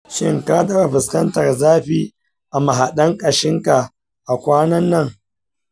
shin ka taba fuskantar zafi a mahadan kashinka a kwana kwanannan?